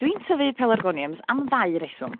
Dwi'n tyfu pelargoniums am ddau reswm